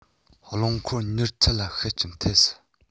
རློང འཁོར མྱུར ཚད ལ ཤུགས རྐྱེན ཐེབས སྲིད